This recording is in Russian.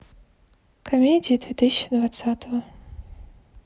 комедии две тысячи двадцатого